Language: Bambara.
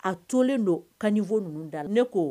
A tolen caniveau ninnu da la, ne ko